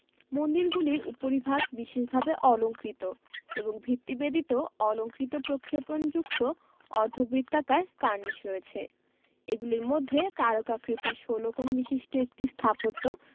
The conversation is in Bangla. মন্দিরগুলির উপরিভাগ বিশেষভাবে অলংকৃত এবং ভিত্তিবেদিতেও অলঙ্কৃত প্রক্ষেপণযুক্ত অর্ধবৃত্তাকার কার্নিস রয়েছে এগুলির মধ্যে তারকাকৃতির ষোল কোণ বিশিষ্ট একটি স্থাপত্য